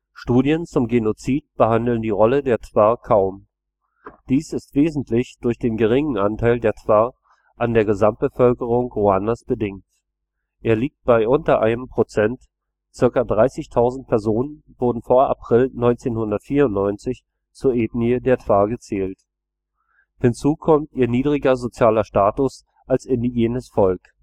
Studien zum Genozid behandeln die Rolle der Twa kaum. Dies ist wesentlich durch den geringen Anteil der Twa an der Gesamtbevölkerung Ruandas bedingt. Er liegt bei unter einem Prozent, zirka 30.000 Personen wurden vor April 1994 zur Ethnie der Twa gezählt. Hinzu kommt ihr niedriger sozialer Status als indigenes Volk